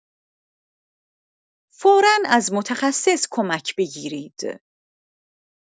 فورا از متخصص کمک بگیرید.